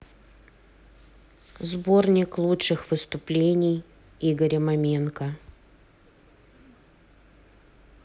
сборник лучших выступлений игоря маменко